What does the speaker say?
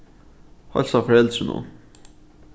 heilsa foreldrunum